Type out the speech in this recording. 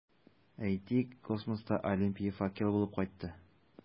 Әйтик, космоста Олимпия факелы булып кайтты.